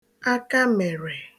akamèrè